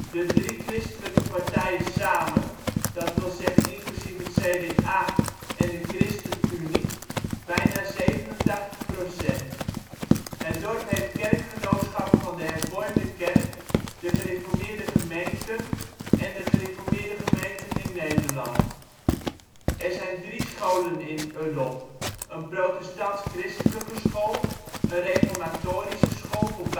de drie christelijke partijen samen (dat wil zeggen inclusief het CDA en de ChristenUnie) bijna 87 %. Het dorp heeft kerkgenootschappen van de Hervormde gemeente, de Gereformeerde Gemeenten en de Gereformeerde Gemeenten in Nederland. Er zijn drie scholen in Uddel: een protestants-christelijke school, een reformatorische school voor basisonderwijs